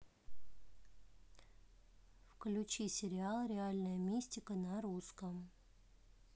включи сериал реальная мистика на русском